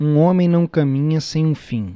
um homem não caminha sem um fim